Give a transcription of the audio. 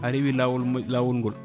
a rewi lawol ngol